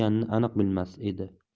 ekanini aniq bilmas edi